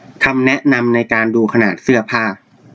คำแนะนำในการดูขนาดเสื้อผ้า